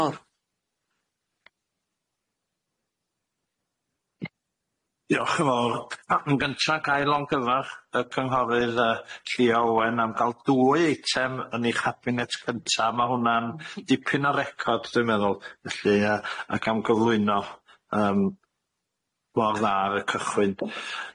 O. Diolch yn fawr. Yn gynta gai logyfarch y cynghorcynghorydd Llia Owen am ga'l dwy eitem yn 'u cabinet cynta, ma' hwna'n ddipyn o record dwi'n meddwl felly yy ac am gyflwyno yym mor dda ar y cychwyn.